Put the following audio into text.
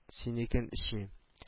– синекен эчмим